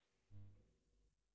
а у тебя какая семья